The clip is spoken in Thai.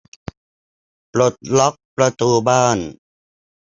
ปลดล็อกประตูบ้าน